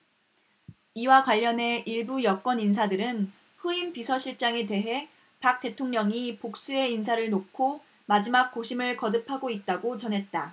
이와 관련해 일부 여권인사들은 후임 비서실장에 대해 박 대통령이 복수의 인사를 놓고 마지막 고심을 거듭하고 있다고 전했다